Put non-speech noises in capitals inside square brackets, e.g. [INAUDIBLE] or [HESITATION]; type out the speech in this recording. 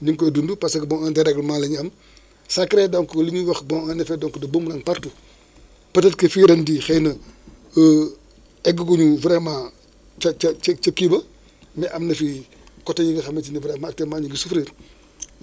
ñu ngi koy dund parce que bon un dérèglement la ñuy am ça crée donc li ñuy wax bon un effet donc de boomrang partout peut être que fii ren jii xëy na [HESITATION] egg a gu ñu vraiment ca ca ca kii ba mais am na fi côté yi nga xamante ni vraiment tellement ñu ngi souffrir [SMACKS LIPS]